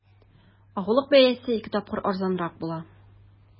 Ягулык бәясе ике тапкыр арзанрак була.